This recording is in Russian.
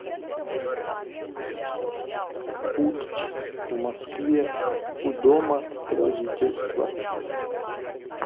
путч в москве у дома правительства